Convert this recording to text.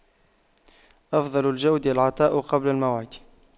أفضل الجود العطاء قبل الموعد